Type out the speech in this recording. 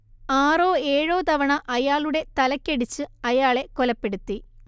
ആറോ ഏഴോ തവണ അയാളുടെ തലക്കടിച്ചു അയാളെ കൊലപ്പെടുത്തി